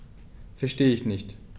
Verstehe nicht.